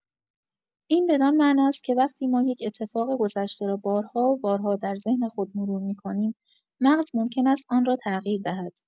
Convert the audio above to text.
این بدان معناست که وقتی ما یک اتفاق گذشته را بارها و بارها در ذهن خود مرور می‌کنیم، مغز ممکن است آن را تغییر دهد.